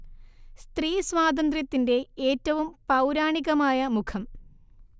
സ്ത്രീ സ്വാതന്ത്ര്യത്തിന്റെ ഏറ്റവും പൗരാണികമായ മുഖം